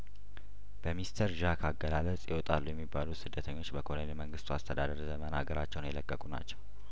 በሚስተር ዣክ አገላለጽ ይወጣሉ የሚባሉት ስደተኞች በኮሎኔል መንግስቱ አስተዳደር ዘመን ሀገራቸውን የለቀቁ ናቸው